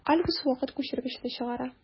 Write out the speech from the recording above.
Альбус вакыт күчергечне чыгара.